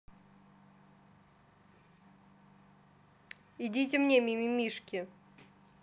идите мне мимимишки